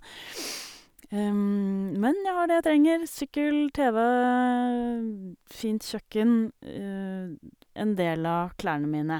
Men jeg har det jeg trenger, sykkel, TV, fint kjøkken, d en del av klærne mine.